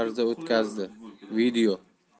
onlayn tarzda o'tkazdi video